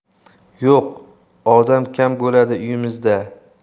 yo'q odam kam bo'ladi uyimizda